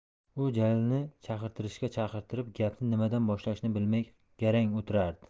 u jalilni chaqirtirishga chaqirtirib gapni nimadan boshlashni bilmay garang o'tirardi